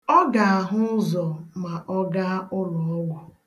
Ọ ga-ahụ ụzọ ma ọ gaa ụlọọgwụ.